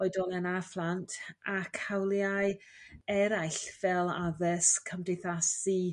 oedolion a phlant ac hawliau eraill fel addysg cymdeithasi